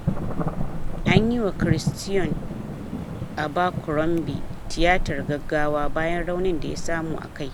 Anyi wa Christion Abercrombie Tiyatar Gaggawa Bayan Raunin da ya Samu a Kai